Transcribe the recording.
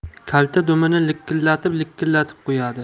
kalta dumini likillatib likillatib qo'yadi